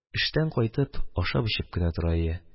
Эштән кайтып, ашап-эчеп кенә тора иде.